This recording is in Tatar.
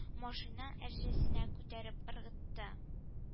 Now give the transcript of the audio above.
Машина әрҗәсенә күтәреп ыргытты